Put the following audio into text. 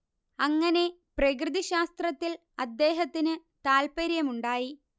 അങ്ങനെ പ്രകൃതി ശാസ്ത്രത്തിൽ അദ്ദേഹത്തിന് താല്പര്യമുണ്ടായി